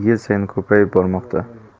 yil sayin ko'payib bormoqda